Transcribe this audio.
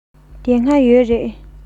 དེ སྔ ཡོད རེད